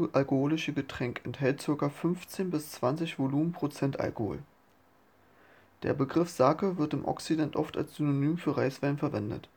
alkoholische Getränk enthält ca. 15 – 20 Volumenprozent Alkohol. Der Begriff Sake wird im Okzident oft als Synonym für Reiswein verwendet